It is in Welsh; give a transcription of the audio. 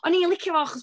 O'n i'n licio fo achos...